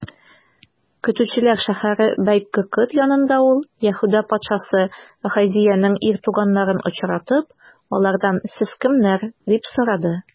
Көтүчеләр шәһәре Бәйт-Гыкыд янында ул, Яһүдә патшасы Ахазеянең ир туганнарын очратып, алардан: сез кемнәр? - дип сорады.